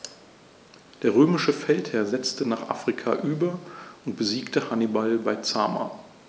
Der römische Feldherr setzte nach Afrika über und besiegte Hannibal bei Zama.